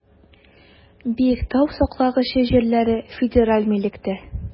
Биектау саклагычы җирләре федераль милектә.